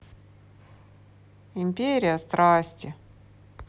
империя страсти